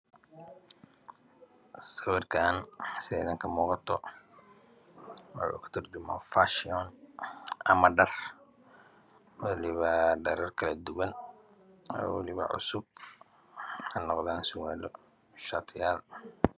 Sawirkan sida idin kamuuqato wuxu katar juma fashiyon ama dhar waliba kala duwan waliba labo shatiyal surwaalo